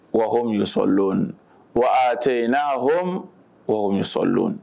Wa sɔrɔlon waatitɛ n'alon